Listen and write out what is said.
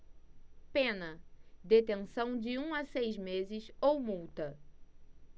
pena detenção de um a seis meses ou multa